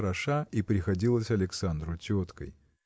хороша и приходилась Александру теткой.